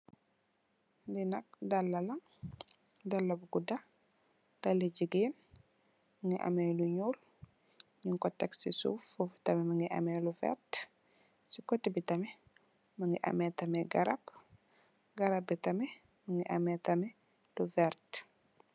Li nak dalla la, dalla bu gudda, dalla li jigeen mugii ameh lu ñuul ñing ko tèk ci suuf, fof tamid mugii ameh lu werta, si koteh bi tamid mugii ameh tamid garap, garap bi tamid mugii ameh tamid lu werta.